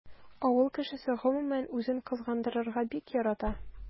Авыл кешесе гомумән үзен кызгандырырга бик ярата.